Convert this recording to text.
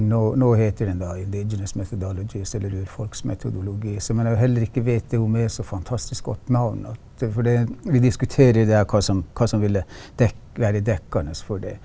nå nå heter den da eller urfolksmetodologi som jeg da heller ikke vet om er så fantastisk godt navn at for det vi diskuterer det her hva som hva som ville være dekkende for det.